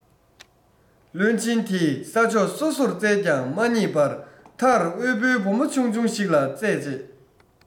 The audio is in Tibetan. བློན ཆེན དེས ས ཕྱོགས སོ སོར བཙལ ཀྱང མ ཪྙེད པས མཐར དབུལ བོའི བུ མོ ཆུང ཆུང ཞིག ལ རྩད བཅད